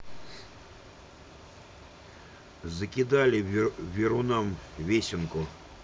закидали верунам весенко